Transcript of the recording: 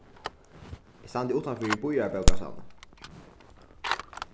eg standi uttan fyri býarbókasavnið